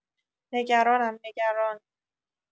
نگرانم… نگران..